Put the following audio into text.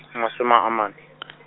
masome a mane .